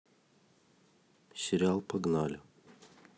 сериал погнали